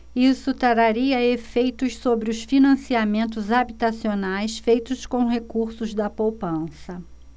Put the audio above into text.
isso traria efeitos sobre os financiamentos habitacionais feitos com recursos da poupança